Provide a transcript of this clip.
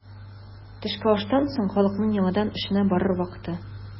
Төшке аштан соң халыкның яңадан эшенә барыр вакыты.